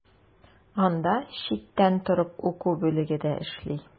Анда читтән торып уку бүлеге дә эшли.